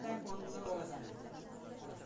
birni eksang o'nni olasan